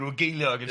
...ryw geiliog,